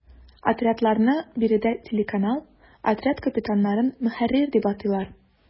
Отрядларны биредә “телеканал”, отряд капитаннарын “ мөхәррир” дип атыйлар.